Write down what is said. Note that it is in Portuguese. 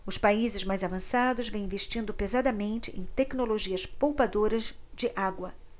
os países mais avançados vêm investindo pesadamente em tecnologias poupadoras de água